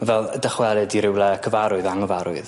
ma' fel dychwelyd i rywle cyfarwydd a anghyfarwydd.